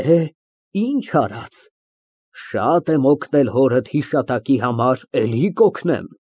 Էհ, ինչ արած, շատ եմ օգնել հորդ հիշատակի համար, էլի կօգնեմ։